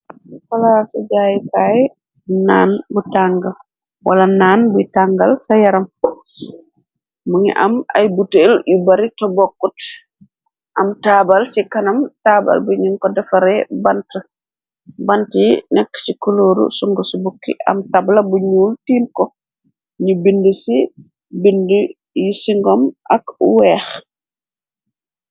Falaa ci jaayikaay naan bu tàng , wala naan buy tàngal ca yaram. Mu ngi am ay buteel yu bari te bokkut am taabal ci kanam , taabal bu ñin ko defare bant , bant yi nekk ci kulooru sung ci bukki am tabla bu ñuul tiim ko ñu bind ci bind yi ci ngom ak weex.